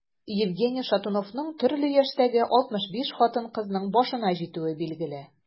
Евгений Шутовның төрле яшьтәге 65 хатын-кызның башына җитүе билгеле.